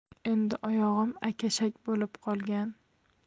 endi oyog'im akashak bo'lib qolgan